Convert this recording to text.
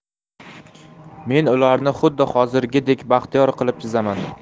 men ularni xuddi hozirgidek baxtiyor qilib chizaman